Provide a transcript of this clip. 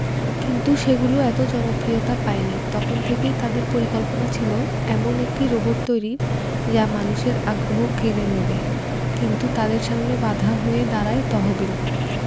কিন্তু সেগুলো এত জনপ্রিয়তা পায়নি তখন থেকেই তাদের পরিকল্পনা ছিল এমন একটি রোবট তৈরির যা মানুষের আগ্রহ কেড়ে নেবে কিন্তু তাদের সামনে বাধা হয়ে দাঁড়ায় তহবিল